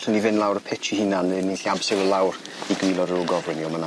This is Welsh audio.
...gallwn ni fyn' lawr y pitch 'i hunan ne' ni allu abseilo lawr i gwilod yr ogof wedyn 'ny o myn 'na.